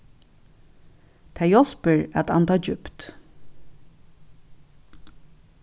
tað hjálpir at anda djúpt